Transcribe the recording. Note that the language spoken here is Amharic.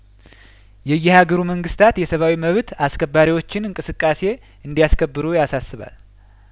የየሀገሩ መንግስታት የሰብአዊ መብት አስከባሪዎችን እንቅስቃሴ እንዲ ያከብሩ ያሳስባል